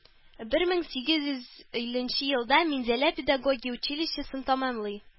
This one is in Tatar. Бер мең сигез йөз илленче елда Минзәлә педагогия училищесын тәмамлый